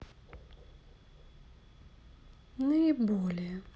наиболее